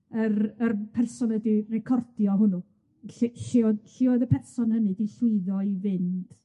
yr yr person wedi recordio hwnnw, lle lle o'dd lle oedd y person hynny 'di llwyddo i fynd.